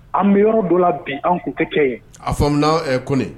An bɛ yɔrɔ dɔ la bin an' kɛ kɛ ye a fɔ munna ɛ ko